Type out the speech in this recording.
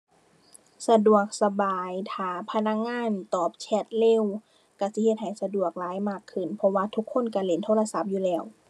สะดวกสบาย ถ้าพนักงานตอบแชตเร็ว ก็สิเฮ็ดให้สะดวกหลายมากขึ้น เพราะว่าทุกคนก็เล่นโทรศัพท์อยู่แล้ว